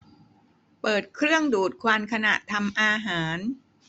เปิดเครื่องดูดควันขณะทำอาหาร